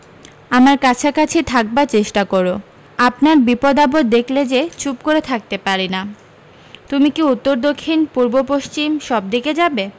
আমার কাছাকাছি থাকবার চেষ্টা করো আপনার বিপদ আপদ দেখলে যে চুপ করে থাকতে পারি না তুমি কী উত্তর দক্ষিণ পূর্ব পশ্চিম সব দিকে যাবে